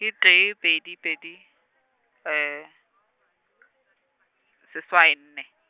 ke tee pedi pedi , seswai nne.